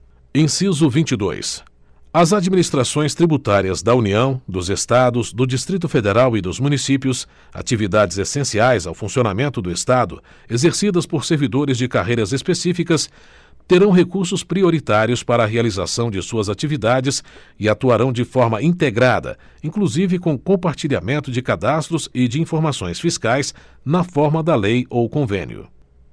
inciso vinte e dois as administrações tributárias da união dos estados do distrito federal e dos municípios atividades essenciais ao funcionamento do estado exercidas por servidores de carreiras específicas terão recursos prioritários para a realização de suas atividades e atuarão de forma integrada inclusive com o compartilhamento de cadastros e de informações fiscais na forma da lei ou convênio